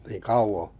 niin kauan